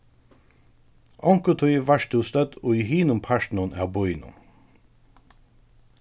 onkuntíð vart tú stødd í hinum partinum av býnum